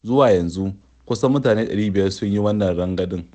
Zuwa yanzu, kusan mutane 500 sun yi wannan rangadin.